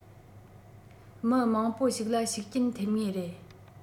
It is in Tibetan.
མི མང པོ ཞིག ལ ཤུགས རྐྱེན ཐེབས ངེས རེད